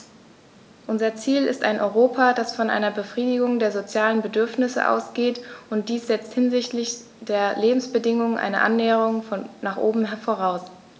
Unser Ziel ist ein Europa, das von einer Befriedigung der sozialen Bedürfnisse ausgeht, und dies setzt hinsichtlich der Lebensbedingungen eine Annäherung nach oben voraus.